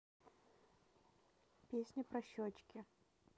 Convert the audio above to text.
песня про щечки